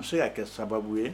Se ka kɛ sababu ye